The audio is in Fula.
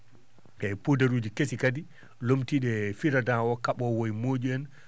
eeyi poudaruji kesi kadi lomtiiɗe "frident" o kaɓoowo e moƴƴu en